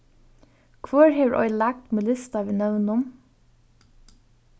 hvør hevur oyðilagt mín lista við nøvnum